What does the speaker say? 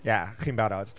Ie, chi'n barod.